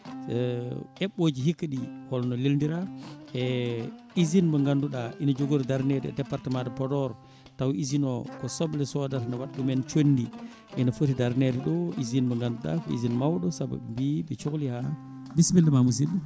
eɓɓoji hikka ɗi holno lelnira e usine ma ganduɗa ina jogori darnede e département de Podor taw usine o ko soble sodata ne waɗa ɗumen condi ene footi darnede ɗo usine mo ganduɗa ko usine mawɗo saabu ɓe mb ɓe cohli ha bisimillama musidɗo